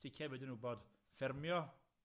Sticiai be' dw'n wbod, ffermio.